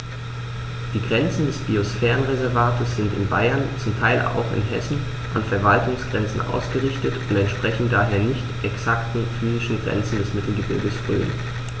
Die Grenzen des Biosphärenreservates sind in Bayern, zum Teil auch in Hessen, an Verwaltungsgrenzen ausgerichtet und entsprechen daher nicht exakten physischen Grenzen des Mittelgebirges Rhön.